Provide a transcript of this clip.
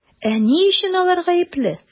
Ә ни өчен алар гаепле?